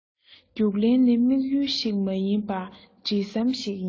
རྒྱུགས ལེན ནི དམིགས ཡུལ ཞིག མ ཡིན པར འབྲེལ ཟམ ཞིག ཡིན